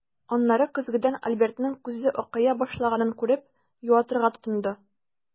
Аннары көзгедән Альбертның күзе акая башлаганын күреп, юатырга тотынды.